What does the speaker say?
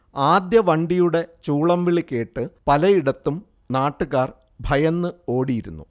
ആദ്യവണ്ടിയുടെ ചൂളം വിളികേട്ട് പലയിടത്തും നാട്ടുകാർ ഭയന്ന് ഓടിയിരുന്നു